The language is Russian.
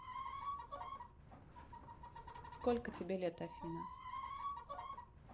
сколько тебе лет афина